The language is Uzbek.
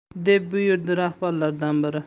deb buyurdi rahbarlardan biri